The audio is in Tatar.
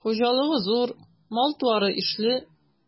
Хуҗалыгы зур, мал-туары ишле.